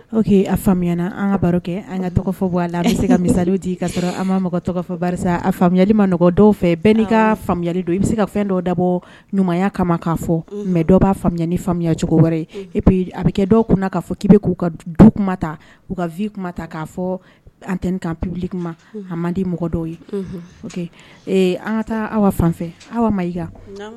O faamuya an ka baro kɛ an ka bɔ bɛ se ka misali di an faamuyayali ma dɔw fɛ bɛɛ'i ka faamuyayali don i bɛ se ka fɛn dɔw dabɔ ɲumanya kama k'a fɔ mɛ dɔw b'a faamuya ni fayacogo wɛrɛ ye a bɛ kɛ dɔw kun kaa fɔ k'i bɛ k'u ka du kuma ta u ka vi kuma ta k'a fɔ an tɛ pebili a man di mɔgɔ dɔw ye an taa aw fan aw ma i